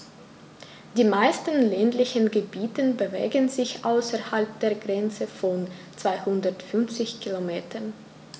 Die meisten ländlichen Gebiete bewegen sich außerhalb der Grenze von 250 Kilometern.